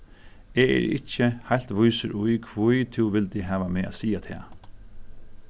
eg eri ikki heilt vísur í hví tú vildi hava meg at siga tað